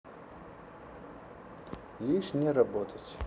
лишь не работает